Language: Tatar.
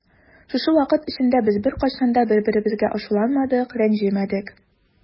Шушы вакыт эчендә без беркайчан да бер-беребезгә ачуланмадык, рәнҗемәдек.